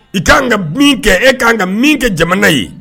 I t'an ka min kɛ e k kanan ka min kɛ jamana ye